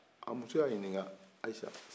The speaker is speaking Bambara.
a muso y'a ɲininka ayisa